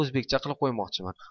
o'zbekcha qilib qo'ymoqchiman